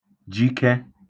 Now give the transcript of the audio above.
jikẹ